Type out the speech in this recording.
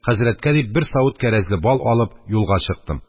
Хәзрәткә дип бер савыт кәрәзле бал алып, юлга чыктым.